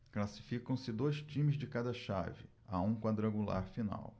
classificam-se dois times de cada chave a um quadrangular final